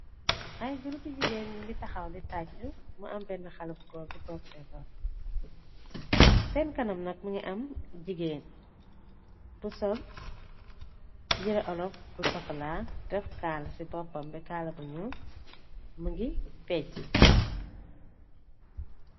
Ay gurupi jigéen yu ngi taxaw di tàcc, mu ambenn xale bu gool bu toog seendor, seen kanam nag mi ngi am jigéen, bu sol yira olaf bu sokla, def kaala ci boppambi, kaala bunu mingi pecci.